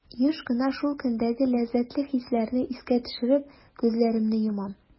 Еш кына шул көндәге ләззәтле хисләрне искә төшереп, күзләремне йомам.